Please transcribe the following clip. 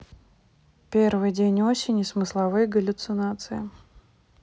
первый день осени смысловые галлюцинации